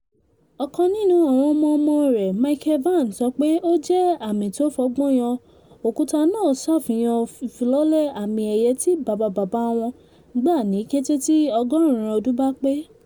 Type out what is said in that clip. Ọ̀kan nínú àwọn ọmọọmọ rẹ̀, Michael Vann, sọ pé ó jẹ́ “àmí tó fọ́gbọ́nyọ”, òkútà náà ṣàfihàn ìfilọ́lẹ̀ àmi ẹ̀yẹ tí bábabàbà wọ́n gba ní kété tí ọgọ́rùn-ún ọdún bá pé.